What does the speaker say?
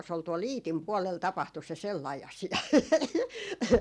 se oli tuolla Iitin puolella tapahtui se sellainen asia